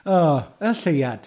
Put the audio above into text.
O, y Lleuad.